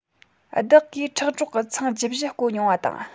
བདག གིས ཁྲག གྲོག གི ཚང བཅུ བཞི བརྐོ མྱོང བ དང